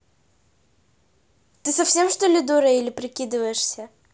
ты совсем чтоли дура или прикидываешься